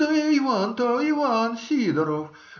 - Да Иван-то, Иван Сидоров.